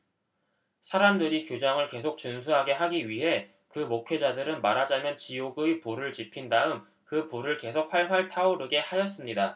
사람들이 규정을 계속 준수하게 하기 위해 그 목회자들은 말하자면 지옥의 불을 지핀 다음 그 불을 계속 활활 타오르게 하였습니다